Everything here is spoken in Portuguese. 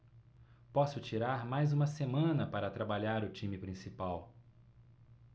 posso tirar mais uma semana para trabalhar o time principal